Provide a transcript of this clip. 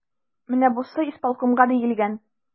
Менә бусы исполкомга диелгән.